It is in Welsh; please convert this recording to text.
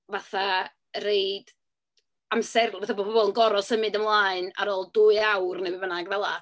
Yym fatha rhoi amserl-... bod bobl yn gorfod symud ymlaen ar ôl dwy awr neu be bynnag fela.